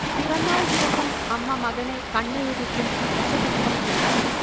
പിറന്നാൾദിവസം അമ്മ മകനെ കണ്ണെഴുതിക്കും, ദശപുഷ്പം ചൂടിക്കും